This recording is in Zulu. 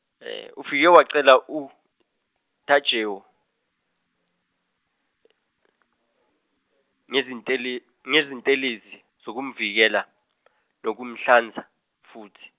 ufike wachela uTajewo, ngezintele- ngezintelezi zokumvikela, nokumhlanza, futhi.